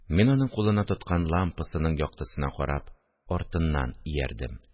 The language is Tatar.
Мин аның кулына тоткан лампасының яктысына карап, артыннан иярдем